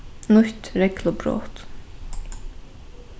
nýtt reglubrot